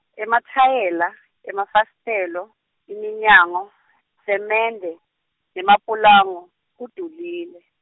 Emathayela, emafasitelo, iminyango, semende, nemapulango, kudulile.